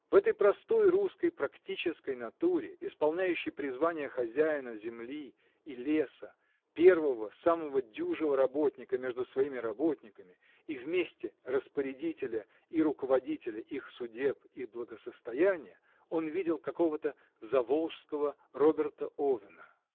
В этой простой русской, практической натуре, исполняющей призвание хозяина земли и леса, первого, самого дюжего работника между своими работниками, и вместе распорядителя и руководителя их судеб и благосостояния, он видел какого-то заволжского Роберта Овена!